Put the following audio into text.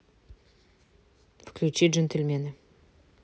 включи джентельмены